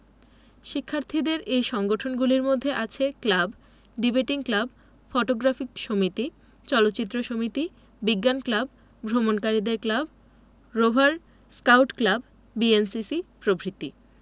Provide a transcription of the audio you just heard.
শিক্ষার্থীদের এই সংগঠনগুলির মধ্যে আছে ক্লাব ডিবেটিং ক্লাব ফটোগ্রাফিক সমিতি চলচ্চিত্র সমিতি বিজ্ঞান ক্লাব ভ্রমণকারীদের club rover scout club BNCC প্রভৃতি